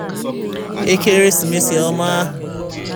Ekeresimesi ọma!